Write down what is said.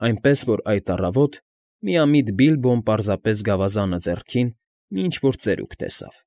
Այնպես որ, այդ առավոտ միամիտ Բիլբոն պարզապես գավազանը ձեռքին մի ինչ֊որ ծերուկ տեսավ։